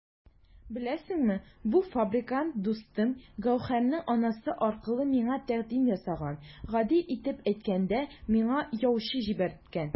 Беләсеңме, бу фабрикант дустым Гәүһәрнең анасы аркылы миңа тәкъдим ясаган, гади итеп әйткәндә, миңа яучы җибәрткән!